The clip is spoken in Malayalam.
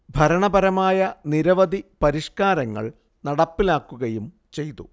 ഭരണപരമായ നിരവധി പരിഷ്കാരങ്ങൾ നടപ്പിലാക്കുകയും ചെയ്തു